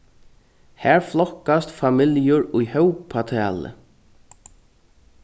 har flokkast familjur í hópatali